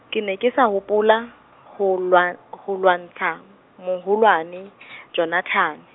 ke ne ke sa hopola, ho lwa- ho lwantsha, moholwane, Jonathane.